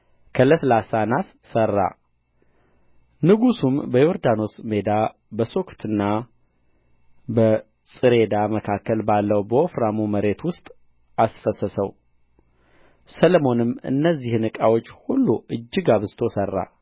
ከለስላሳ ናስ ሠራ ንጉሡም በዮርዳኖስ ሜዳ በሱኮትና በጽሬዳ መካከል ባለው በወፍራሙ መሬት ውስጥ አስፈሰሰው ሰሎሞንም እነዚህን ዕቃዎች ሁሉ እጅግ አብዝቶ ሠራ